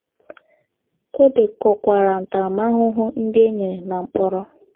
O dekọkwara ntarama ahụhụ ndị e nyere na mkpọrọ.